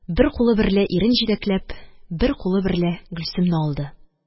Бер кулы берлә ирен җитәкләп, бер кулы берлә гөлсемне алды: